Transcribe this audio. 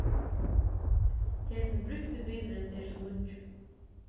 hesin brúkti bilurin er sum nýggjur